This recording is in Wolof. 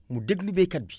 mu déglu baykat bi